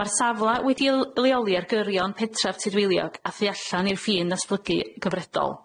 Ma'r safla wedi'i l- leoli ar gyrion petref Tudwiliog a thu allan i'r ffin datblygu gyfredol.